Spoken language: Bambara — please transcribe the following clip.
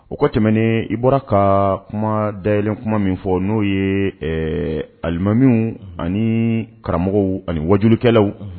O kɔ tɛmɛnen i bɔra ka kuma dalen kuma min fɔ n'o ye alimami ani karamɔgɔ ani wajlikɛlawlaw